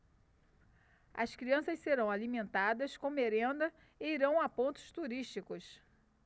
as crianças serão alimentadas com merenda e irão a pontos turísticos